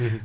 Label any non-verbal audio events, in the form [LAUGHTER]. [HESITATION] [HESITATION]